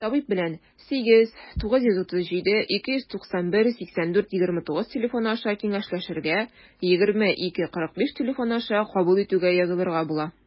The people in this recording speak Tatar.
Табиб белән 89372918429 телефоны аша киңәшләшергә, 20-2-45 телефоны аша кабул итүгә язылырга була.